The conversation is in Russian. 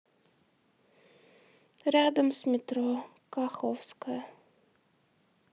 рядом с метро каховская